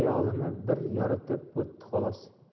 yoritib o'tdi xolos